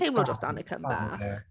teimlo dros Danica bach.